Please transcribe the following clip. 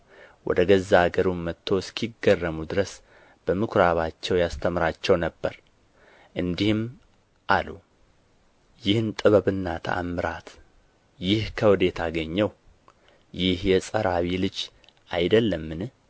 ወደ ገዛ አገሩም መጥቶ እስኪገረሙ ድረስ በምኩራባቸው ያስተምራቸው ነበር እንዲህም አሉ ይህን ጥበብና ተአምራት ይህ ከወዴት አገኘው ይህ የጸራቢ ልጅ አይደለምን